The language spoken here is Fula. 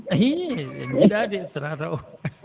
ihin ene yiiɗade so wona taw